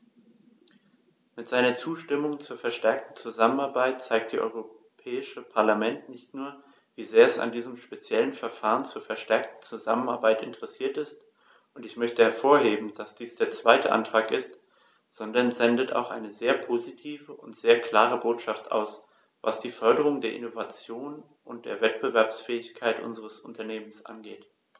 Mit seiner Zustimmung zur verstärkten Zusammenarbeit zeigt das Europäische Parlament nicht nur, wie sehr es an diesem speziellen Verfahren zur verstärkten Zusammenarbeit interessiert ist - und ich möchte hervorheben, dass dies der zweite Antrag ist -, sondern sendet auch eine sehr positive und sehr klare Botschaft aus, was die Förderung der Innovation und der Wettbewerbsfähigkeit unserer Unternehmen angeht.